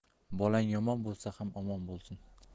bolang yomon bo'lsa ham omon bo'lsin